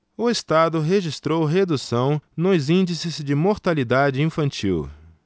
o estado registrou redução nos índices de mortalidade infantil